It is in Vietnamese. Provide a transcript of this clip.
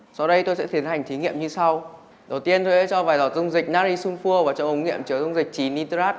sau đây tôi sẽ tiến hành thí nghiệm như sau đầu tiên tôi sẽ cho vài giọt dung dịch nát ri sun phua vào trong ống nghiệm chứa dung dịch chì ni tơ rát